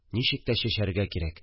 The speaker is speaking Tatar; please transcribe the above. Ничек тә чәчәргә кирәк